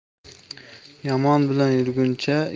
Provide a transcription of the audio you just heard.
yomon bilan yurguncha